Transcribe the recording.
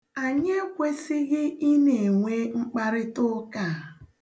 Anyị ekwesịghị ị na-enwe mkparịtaụka a.